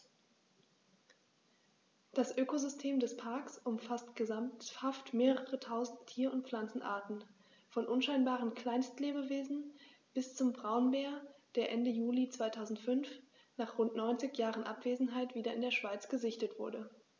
Das Ökosystem des Parks umfasst gesamthaft mehrere tausend Tier- und Pflanzenarten, von unscheinbaren Kleinstlebewesen bis zum Braunbär, der Ende Juli 2005, nach rund 90 Jahren Abwesenheit, wieder in der Schweiz gesichtet wurde.